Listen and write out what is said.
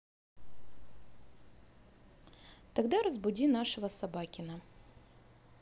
тогда разбуди нашего собакина